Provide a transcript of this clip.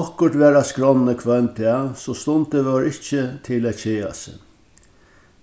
okkurt var skránni hvønn dag so stundir vóru ikki til at keða seg